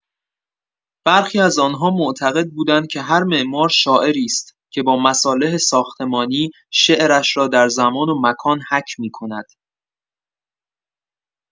برخی از آن‌ها معتقد بودند که هر معمار، شاعری است که با مصالح ساختمانی، شعرش را در زمان و مکان حک می‌کند.